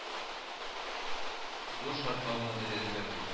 Зур шартлау моделе үзгәртү